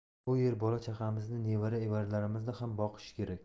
bu yer bola chaqamizni nevara evaralarimizni ham boqishi kerak